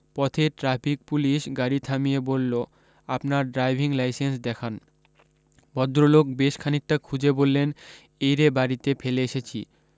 পথে traffic police গাড়ী থামিয়ে বললো আপনার ড্রাইভিং লাইসেন্স দেখান ভদ্রলোক বেশ খানিকটা খুঁজে বললেন এইরে বাড়ীতে ফেলে এসেছি